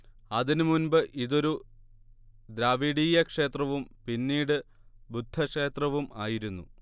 അതിനുമുൻപ് ഇതൊരു ദ്രാവിഡീയക്ഷേത്രവും പിന്നീട് ബുദ്ധക്ഷേത്രവും ആയിരുന്നു